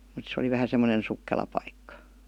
mutta se oli vähän semmoinen sukkela paikka